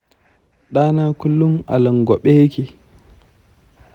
ɗana kullum a langwaɓe yake.